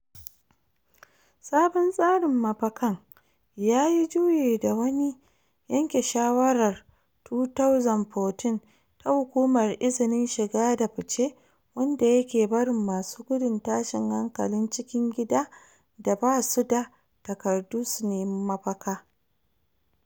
Sabon tsarin mafakan ya yi juyi da wani yanke shawarar 2014 ta Hukumar Izinin Shiga da Fice wanda ya ke barin masu gudun tashin hankalin cikin gida da ba su da takardu su nemi mafaka.